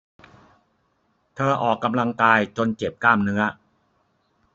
เธอออกกำลังกายจนเจ็บกล้ามเนื้อ